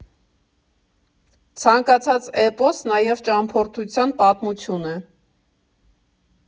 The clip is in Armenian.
Ցանկացած էպոս՝ նաև ճամփորդության պատմություն է։